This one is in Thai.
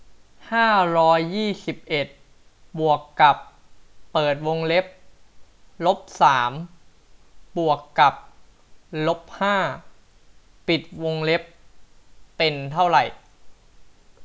ห้าร้อยยี่สิบเอ็ดบวกกับเปิดวงเล็บลบสามบวกกับลบห้าปิดวงเล็บเป็นเท่าไหร่